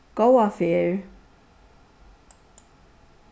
góða ferð